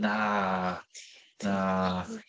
Na, na.